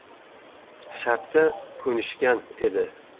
shartga ko'nishgan edi